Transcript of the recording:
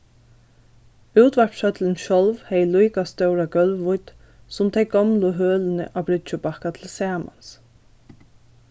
útvarpshøllin sjálv hevði líka stóra gólvvídd sum tey gomlu hølini á bryggjubakka til samans